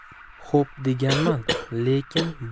xo'p deganman lekin